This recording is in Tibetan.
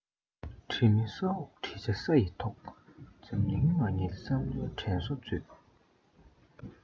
བྲིས མི ས འོག བྲིས ཆ ས ཡི ཐོག འཛམ གླིང མ བསྙེལ བསམ བློའི དྲན གསོ མཛོད